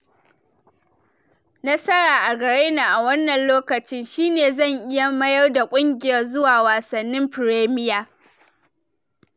"Nasara a gare ni a wannan lokacin shi ne 'zan iya mayar da kungiyar zuwa Wasanin Fremiya?'